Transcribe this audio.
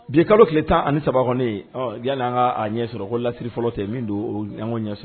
Bika kalolo tile tan ani saba ne y an kaa ɲɛ sɔrɔkɔ lasiri fɔlɔ cɛ min don an ko ɲɛ sɔrɔ